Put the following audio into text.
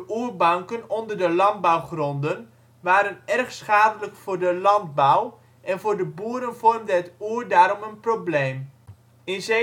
oerbanken onder de landbouwgronden waren erg schadelijk voor de landbouw en voor de boeren vormde het oer daarom een probleem. In 1753